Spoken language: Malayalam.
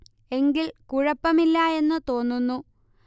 എങ്കിൽ കുഴപ്പമില്ല എന്നു തോന്നുന്നു